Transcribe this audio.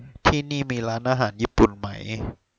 ที่นี่มีร้านอาหารญี่ปุ่นไหม